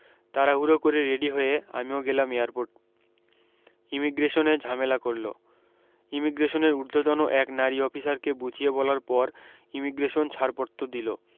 তাড়াহুড়ো করে রেডি হয়ে আমিও গেলাম এয়ারপোর্ট ইমিগ্রেশনে ঝামেলা করলো ইমিগ্রেশনের উর্ধ্বতন এক নারী অফিসারকে বুঝিয়ে বলার পর ইমিগ্রেশন ছাড়পত্র দিলো